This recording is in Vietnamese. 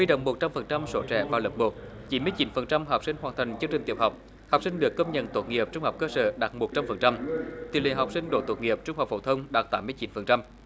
động một trăm phần trăm số trẻ vào lớp một chín mươi chín phần trăm học sinh hoàn thành chương trình tiểu học học sinh được công nhận tốt nghiệp trung học cơ sở đạt một trăm phần trăm tỷ lệ học sinh đỗ tốt nghiệp trung học phổ thông đạt tám mươi chín phần trăm